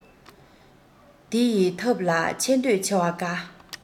དེ ཡི ཐབས ལ ཆེ འདོད ཆེ བ དགའ